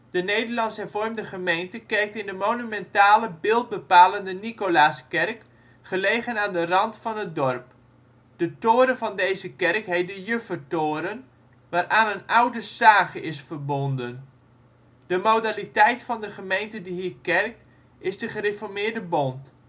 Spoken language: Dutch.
De Nederlands-hervormde gemeente kerkt in de monumentale beeldbepalende Nicolaaskerk gelegen aan de rand van het dorp. De toren van deze kerk heet de Juffertoren, waaraan een oude sage is verbonden (zie: Juffertoren). De modaliteit van de gemeente die hier kerkt, is de Gereformeerde Bond